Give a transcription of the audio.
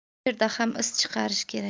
bu yerda ham is chiqarish kerak